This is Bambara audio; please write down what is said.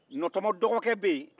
nɔtɔmɔ dɔgɔkɛ be yen